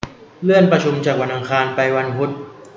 เลื่อนประชุมจากวันอังคารไปวันพุธ